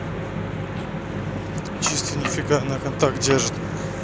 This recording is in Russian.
чистый нифига на контакт держит